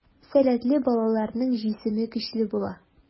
Сәләтле балаларның җисеме көчле була.